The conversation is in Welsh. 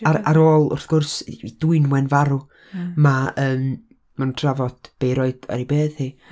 Ar- ar ôl, wrth gwrs i, i Dwynwen farw, ma', yym, ma'n trafod be' i roid ar ei bedd hi.